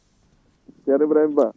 ceerno Ibrahima Ba